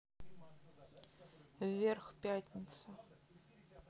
вверх пятница